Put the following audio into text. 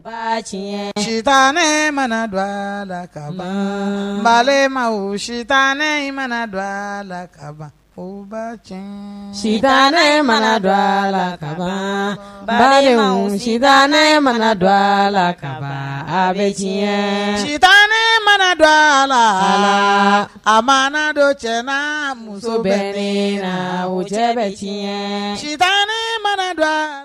Ba tiɲɛ si ne mana dɔgɔ a la ka bama si ne mana don a la kaban ko ba cɛ sita ne mana dɔgɔ a la kaban balima si ne mana dɔgɔ a la ka bɛ diɲɛ si ne mana don a la a ma dɔ cɛ na muso bɛ la o cɛ bɛ sita ne mana don a la